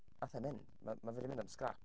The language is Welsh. Wnaeth e mynd. Ma' ma' fe 'di mynd am scrap.